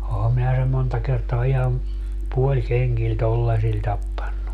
olenhan minä sen monta kertaa ihan puolikengillä tuollaisilla tappanut